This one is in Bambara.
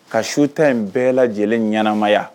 Ka su ta in bɛɛ lajɛlen ɲanamaya